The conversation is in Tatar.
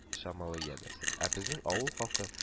Чамалый, янәсе. ә безнең авыл халкы